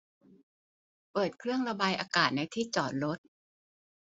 เปิดเครื่องระบายอากาศในที่จอดรถ